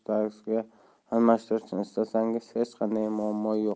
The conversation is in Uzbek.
ko'rinishdagisiga almashtirishni istasangiz hech qanday muammo yo'q